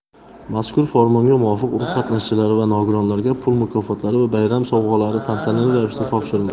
mazkur farmonga muvofiq urush qatnashchilari va nogironlariga pul mukofotlari va bayram sovg'alari tantanali ravishda topshirildi